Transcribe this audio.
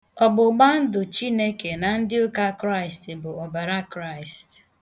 Ọgbụgbandụ Chineke na ndị ụka Kraịst bụ ọbara Kraịst.